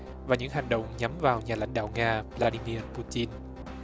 và những hành động nhắm vào nhà lãnh đạo nga vờ la đi nia pu tin